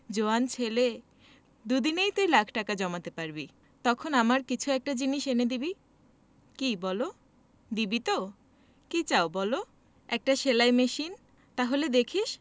জোয়ান ছেলে দু’দিনেই তুই লাখ টাকা জমাতে পারবি তখন আমার কিছু একটা জিনিস এনে দিবি কি বলো দিবি তো কি চাও বলো একটা সেলাই মেশিন তাহলে দেখিস